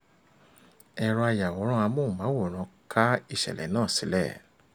Ẹ̀rọ-ayàwòrán amóhùnmáwòrán ká ìṣẹ̀lẹ̀ náà sílẹ̀.